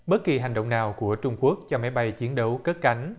bất kỳ hành động nào của trung quốc cho máy bay chiến đấu cất cánh